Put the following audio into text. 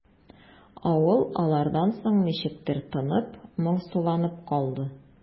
Авыл алардан соң ничектер тынып, моңсуланып калды.